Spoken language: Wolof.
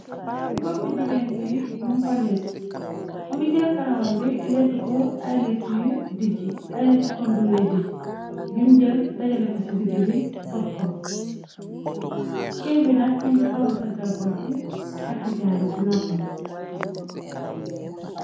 Ci bopp jigéen bi, mum faletu, më ngi jël karawan bi lettu ko ayletu yu dijj i, aylettu ko ndur yu dijj, yum jël dajale ko ci dig bi, fof ko, jigéen bi nag ma ngi xawal ca gal boppi, tàkk jaaro ci nofam.